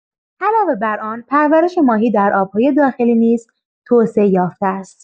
علاوه بر آن، پرورش ماهی در آب‌های داخلی نیز توسعه یافته است.